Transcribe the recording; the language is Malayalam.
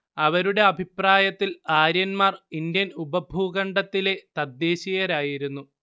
അവരുടെ അഭിപ്രായത്തിൽ ആര്യന്മാർ ഇന്ത്യൻ ഉപഭൂഖണ്ഡത്തിലെ തദ്ദേശീയരായിരുന്നു